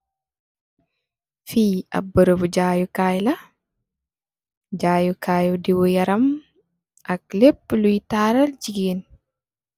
Fii ab barëbu jaayee kaay la. Jaayee kaay yu diiw, diiwu yaram, ak lëëpu luy taaral jigéen.